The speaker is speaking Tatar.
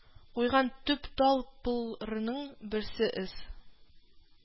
Куйган төп тал пл ренең берсе эс